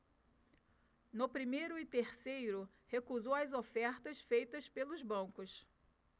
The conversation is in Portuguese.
no primeiro e terceiro recusou as ofertas feitas pelos bancos